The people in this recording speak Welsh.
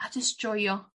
A jyst joio.